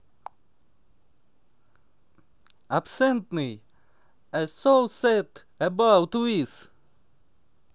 абсентный а so sad about this